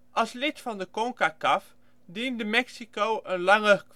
Als lid van de CONCACAF diende Mexico een lange